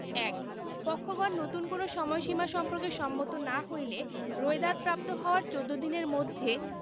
১ পক্ষগণ নতুন কোন সময়সীমা সম্পর্কে সম্মত না হইলে রোয়েদাদ প্রাপ্ত হওয়ার চৌদ্দ দিনের মধ্যে